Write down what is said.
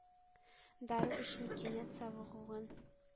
Дару эчми кинәт савыгуын